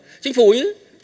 chính phủ